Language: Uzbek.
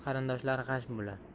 qarindoshlar g'ash bo'lar